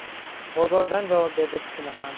bozordan javob berdi ksenofant